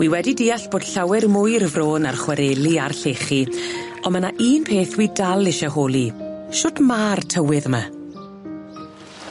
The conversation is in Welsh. Wi wedi deall bod llawer mwy i'r Fro na'r chwareli a'r llechi on' ma' 'na un peth wi dal isie holi, shwt ma'r tywydd yma?